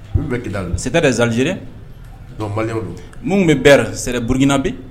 Se dezaliz minnu bɛ bɛɛ se burukina